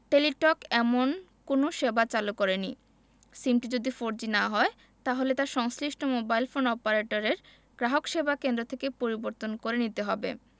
Teletalk এমন কোনো সেবা চালু করেনি সিমটি যদি ফোরজি না হয় তাহলে তা সংশ্লিষ্ট মোবাইল ফোন অপারেটরের গ্রাহকসেবা কেন্দ্র থেকে পরিবর্তন করে নিতে হবে